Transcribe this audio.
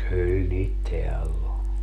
kyllä niitä täällä oli